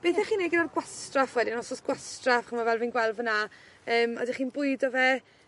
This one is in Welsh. Beth 'ych chi'n neu' gyda'r gwastraff wedyn os o's gwastraff ch'mo' fel fi'n gweld fyn 'na yym odych chi'n bwydo fe